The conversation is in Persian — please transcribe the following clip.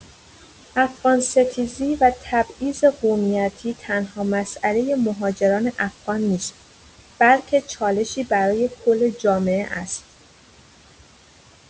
افغان‌ستیزی و تبعیض قومیتی تنها مسئله مهاجران افغان نیست، بلکه چالشی برای کل جامعه است.